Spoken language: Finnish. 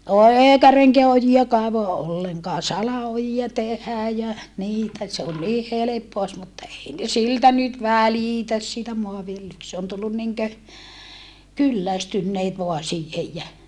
- eikä renkää ojia kaivaa ollenkaan salaojia tehdään ja niitä se on niin helppoa olisi mutta ei ne siltä nyt välitä siitä - se on tullut niin kuin kyllästyneet vain siihen ja